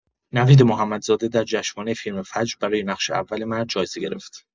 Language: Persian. نوید محمدزاده در جشنواره فیلم فجر برای نقش اول مرد جایزه گرفت.